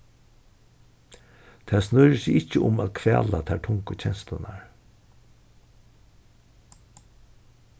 tað snýr seg ikki um at kvala tær tungu kenslurnar